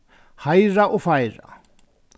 heiðra og feira